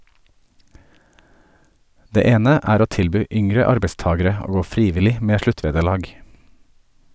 Det ene er å tilby yngre arbeidstagere å gå frivillig med sluttvederlag.